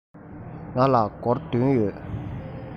ང ལ སྒོར བདུན ཡོད